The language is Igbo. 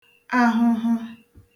ahụhụ